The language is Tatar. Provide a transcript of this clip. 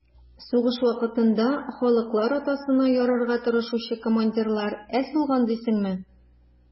Сугыш вакытында «халыклар атасына» ярарга тырышучы командирлар әз булган дисеңме?